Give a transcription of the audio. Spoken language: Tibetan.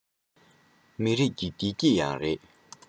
མི རིགས ཀྱི བདེ སྐྱིད ཡང རེད